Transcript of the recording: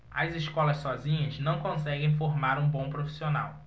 as escolas sozinhas não conseguem formar um bom profissional